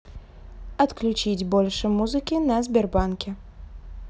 отключить больше музыки на сбербанке